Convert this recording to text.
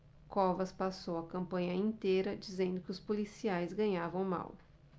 covas passou a campanha inteira dizendo que os policiais ganhavam mal